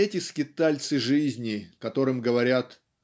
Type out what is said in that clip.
Эти скитальцы жизни, которым говорят